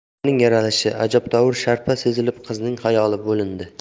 dunyoning yaralishi ajabtovur sharpa sezilib qizning xayoli bo'lindi